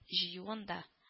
Җыюын да